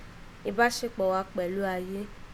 Ìbásekpọ̀ wá kpẹ̀lú ayé